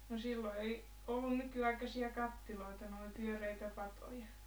no silloin ei ollut nykyaikaisia kattiloita ne oli pyöreitä patoja